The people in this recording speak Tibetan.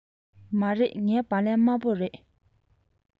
མ རེད ངའི སྦ ལན དམར པོ རེད